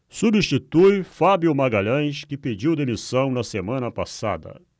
substitui fábio magalhães que pediu demissão na semana passada